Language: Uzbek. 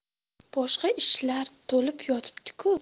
boshqa ishlar to'lib yotibdi ku